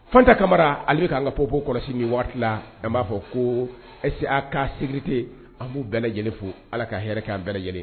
Fanta kamara ale bɛ k'an ka poli kɔlɔsi ni waati a b'a fɔ ko ɛse a ka selite an b'u bɛɛ lajɛlen fo ala ka hɛrɛ k' an bɛɛ lajɛlen